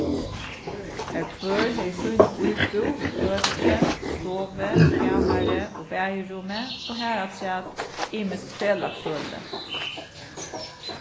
har hvør hevði sína íbúð við køki stovu kamari og baðirúmi og harafturat ymisk felagshøli